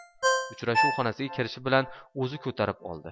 uchrashuv xonasiga kirishi bilan uni ko'tarib oldi